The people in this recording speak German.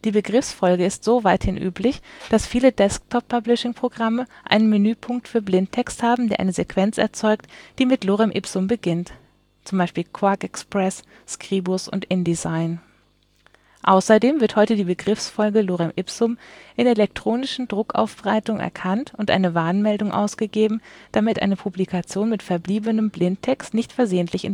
Begriffsfolge ist so weithin üblich, dass viele Desktop-Publishing-Programme einen Menüpunkt für Blindtext haben, der eine Sequenz erzeugt, die mit Lorem Ipsum beginnt (Quark Xpress, Scribus, InDesign). Außerdem wird heute die Begriffsfolge „ Lorem Ipsum “in der elektronischen Druckaufbereitung erkannt und eine Warnmeldung ausgegeben, damit eine Publikation mit verbliebenem Blindtext nicht versehentlich